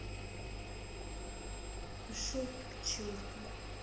пошел ты к черту